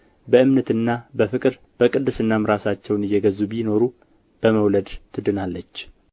በእምነትና በፍቅር በቅድስናም ራሳቸውን እየገዙ ቢኖሩ በመውለድ ትድናለች